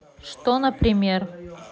что например